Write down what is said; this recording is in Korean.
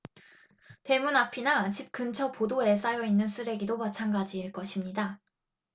대문 앞이나 집 근처 보도에 쌓여 있는 쓰레기도 마찬가지일 것입니다